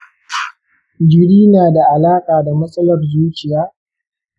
jiri nada alaƙa da matsalar zuciya?